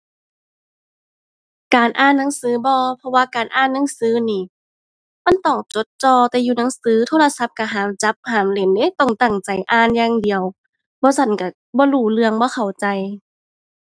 การอ่านหนังสือบ่ เพราะว่าการอ่านหนังสือนี้ มันต้องจดจ่อแต่อยู่หนังสือ โทรศัพท์ก็ห้ามจับห้ามเล่นเดะ ต้องตั้งใจอ่านอย่างเดียว บ่ซั้นก็บ่รู้เรื่อง บ่เข้าใจ